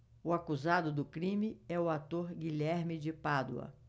o acusado do crime é o ator guilherme de pádua